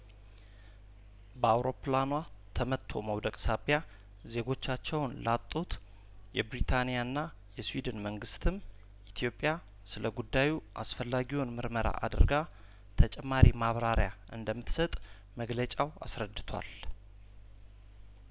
በአውሮፕላኗ ተመትቶ መውደቅ ሳቢያ ዜጐቻቸውን ላጡት የብሪታኒያና የስዊድን መንግስትም ኢትዮጵያ ስለጉዳዩ አስፈላጊውን ምርመራ አድርጋ ተጨማሪ ማብራሪያ እንደምትሰጥ መግለጫው አስረድቷል